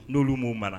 N'olu'u mara